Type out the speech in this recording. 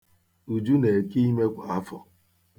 Uju na-eke ime kwa afọ.